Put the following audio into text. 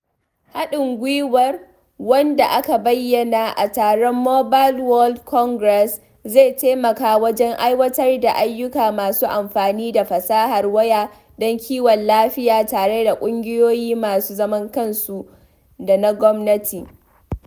Haɗin gwiwar, wanda aka bayyana a taron Mobile World Congress, zai taimaka wajen aiwatar da ayyuka masu amfani da fasahar waya don kiwon lafiya tare da ƙungiyoyi masu zaman kansu da na gwamnati.